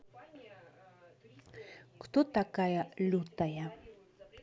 кто такая лютая